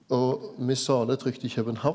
og missale er trykt i København?